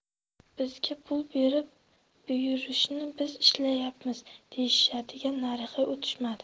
bizga pul berib buyurishdi biz ishlayapmiz deyishdan nariga o'tishmadi